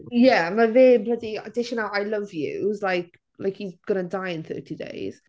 Ie mae fe'n bloody dishing out I love you's like, like he's going to die in thirty days.